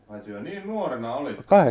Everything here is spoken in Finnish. ai te niin nuorena olitte